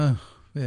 O ie.